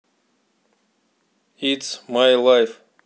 итс май лайф